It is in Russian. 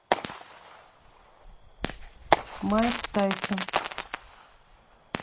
майк тайсон